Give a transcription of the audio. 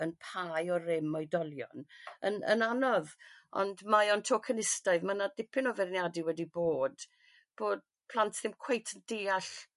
yn pai o rym oedolion yn yn anodd ond mae o'n tocynistaidd ma' 'na dipyn o feirniadu wedi bod bod plant ddim cweit yn deall